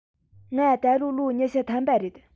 ང ད ལོ ལོ ཉི ཤུ ཐམ པ རེད